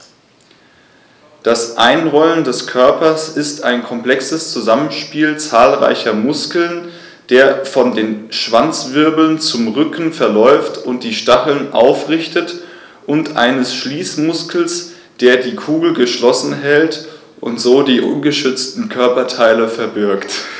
Das Einrollen des Körpers ist ein komplexes Zusammenspiel zahlreicher Muskeln, der von den Schwanzwirbeln zum Rücken verläuft und die Stacheln aufrichtet, und eines Schließmuskels, der die Kugel geschlossen hält und so die ungeschützten Körperteile verbirgt.